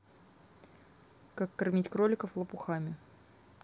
как кормить кроликов лопухами